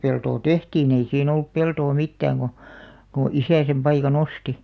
peltoa tehtiin ei siinä ollut peltoa mitään kun kun isä sen paikan osti